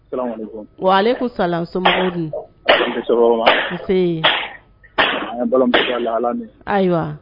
Wa ale ko sa ayiwa